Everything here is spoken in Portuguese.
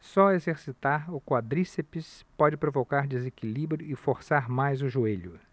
só exercitar o quadríceps pode provocar desequilíbrio e forçar mais o joelho